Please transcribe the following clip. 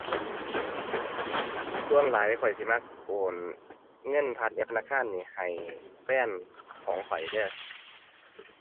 ส่วนหลายข้อยสิมักโอนเงินผ่านแอปธนาคารนี่ให้แฟนของข้อยเด้อ